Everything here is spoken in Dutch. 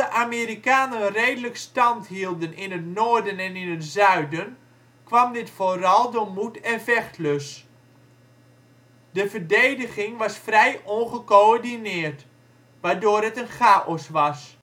Amerikanen redelijk standhielden in het noorden en in het zuiden, kwam dit vooral door moed en vechtlust. De verdediging was vrij ongecoördineerd, waardoor het een chaos was